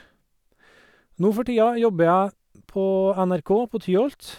Nå for tida jobber jeg på NRK, på Tyholt.